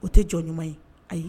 O tɛ jɔn ɲuman ye ayi ye